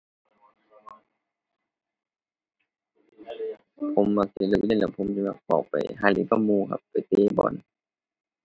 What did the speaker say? ผมมักสิเลิกเรียนแล้ว ผมสิมักออกไปหาเล่นกับหมู่ครับ ไปเตะบอล